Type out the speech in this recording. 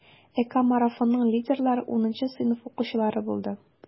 ЭКОмарафонның лидерлары 10 сыйныф укучылары булды.